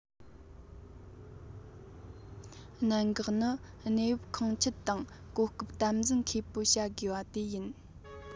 གནད འགག ནི གནས བབ ཁོང ཆུད དང གོ སྐབས དམ འཛིན མཁས པོ བྱ དགོས པ དེ ཡིན